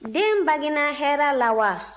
den bangena hɛra la wa